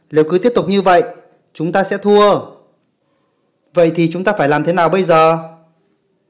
nếu cứ tiếp tục như vậy chúng ta sẽ thua vậy thì chúng ta phải làm thế nào bây giờ